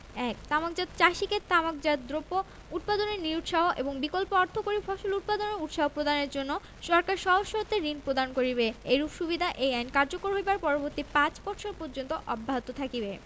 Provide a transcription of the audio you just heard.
১ তামাকজাত চাষীকে তামাকজাত দ্রব্য উৎপাদনে নিরুৎসাহ এবং বিকল্প অর্থকরী ফসল উৎপাদনে উৎসাহ প্রদানের জন্য সরকার সহজ শর্তে ঋণ প্রদান করিবে এইরূপ সুবিধা এই আইন কার্যকর হইবার পরবর্তী পাঁচ বৎসর পর্যন্ত অব্যাহত থাকিবে